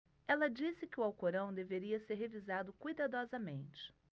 ela disse que o alcorão deveria ser revisado cuidadosamente